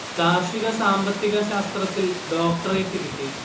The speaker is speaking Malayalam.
കാർഷിക സാമ്പത്തിക ശാസ്ത്രത്തിൽ ഡോക്ടറേറ്റ് കിട്ടി